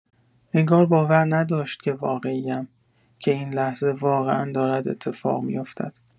انگار باور نداشت که واقعی‌ام، که این لحظه واقعا دارد اتفاق می‌افتد.